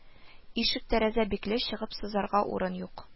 Ишек-тәрәзә бикле, чыгып сызарга урын юк